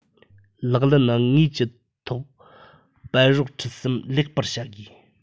ལག ལེན དངོས ཀྱི ཐོག ནས སྤེལ རོགས ཁྲིད གསུམ ལེགས པར བྱ དགོས